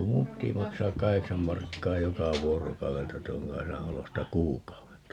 kun minun piti maksaa kahdeksan markkaa joka vuorokaudelta tuon Kaisan olosta kuukaudelta